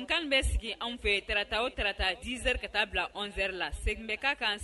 Kan bɛ sigi anw fɛ tarata o tarata dzeri ka taa bila anw2ri la segin bɛ kan kan